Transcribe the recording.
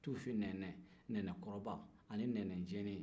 tufi nɛɛnɛ nɛɛnɛkɔrɔba ani nɛɛnɛcini